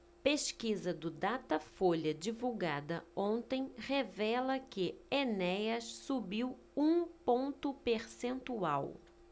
pesquisa do datafolha divulgada ontem revela que enéas subiu um ponto percentual